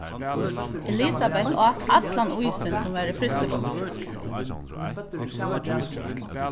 elisabet át allan ísin sum var í frystiboksini